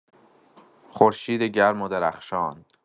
خورشید گرم و درخشان